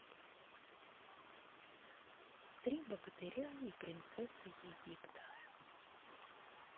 три богатыря и принцесса египта